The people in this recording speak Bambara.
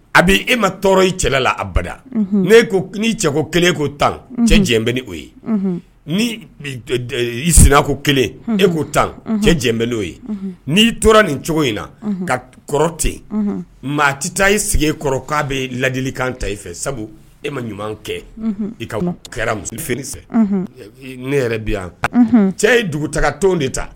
A bɛ e ma tɔɔrɔ i cɛla la a bada cɛko kelen ko tan cɛ jɛb ni'o ye ni sina ko kelen e koo tan cɛ jɛ bɛ'o ye ni'i tora nin cogo in na ka kɔrɔ ten maa tɛ taa i sigi kɔrɔ k'a bɛ lajli kan ta i fɛ sabu e ma ɲuman kɛ i ka kɛra muso fini ne yɛrɛ bi yan cɛ ye dugutaaga tɔn de ta